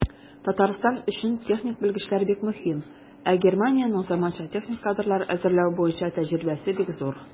Татарстан өчен техник белгечлекләр бик мөһим, ә Германиянең заманча техник кадрлар әзерләү буенча тәҗрибәсе бик зур.